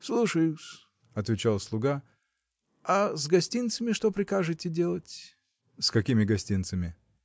– Слушаю-с, – отвечал слуга, – а с гостинцами что прикажете делать? – С какими гостинцами?